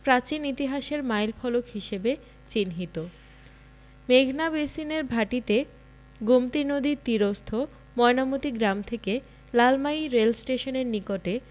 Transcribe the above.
প্রাচীন ইতিহাসের মাইল ফলক হিসেবে চিহ্নিত মেঘনা বেসিনের ভাটিতে গোমতী নদী তীরস্থ ময়নামতী গ্রাম থেকে লালমাই রেলস্টেশনের নিকটে